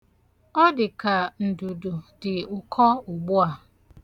Ọ dịka ndudu dị ụkọ ugbu a